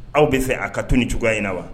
Aw bɛ fɛ a ka to ni cogoya in na wa